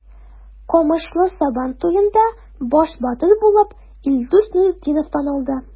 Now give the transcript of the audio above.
Камышлы Сабан туенда баш батыр булып Илдус Нуретдинов танылды.